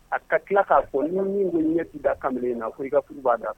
A ka tila k'a fɔ ni ko ɲɛti da kamalen na a fo i kauru b'a kan